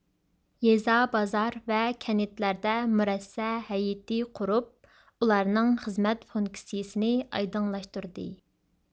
يېزا بازار ۋە كەنتلەردە مۇرەسسە ھەيئىتى قۇرۇپ ئۇلارنىڭ خىزمەت فۇنكسىيىسىنى ئايدىڭلاشتۇردى